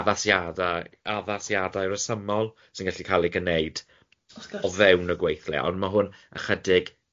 addasiadau addasiadau resymol sy'n gallu cael eu gwneud o fewn y gweithle, ond ma' hwn ychydig